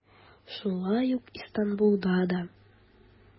Шулай ук Истанбулда да.